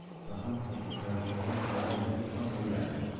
hali ham qaytib ravshanni yuboraymi deb ham o'yladi